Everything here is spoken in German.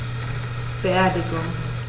Beerdigung